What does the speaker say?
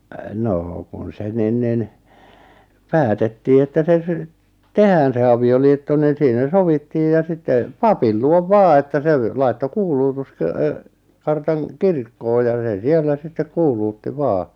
no kun se niin niin päätettiin että se sitten tehdään se avioliitto niin siinä sovittiin ja sitten papin luo vaan että se - laittoi --- kuulutuskartan kirkkoon ja se siellä sitten kuulutti vain